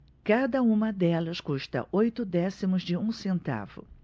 cada uma delas custa oito décimos de um centavo